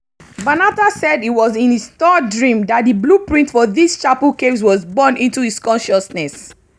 Banatah said it was in his third dream that the blueprint for these chapel caves was burned into his consciousness.